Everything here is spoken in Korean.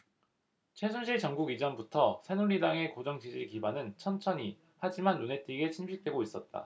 최순실 정국 이전부터 새누리당의 고정 지지 기반은 천천히 하지만 눈에 띄게 침식되고 있었다